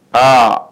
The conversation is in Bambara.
A